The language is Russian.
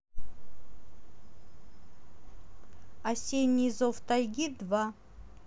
осенний зов тайги два